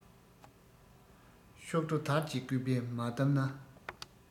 གཤོག སྒྲོ དར གྱིས སྐུད པས མ བསྡམས ན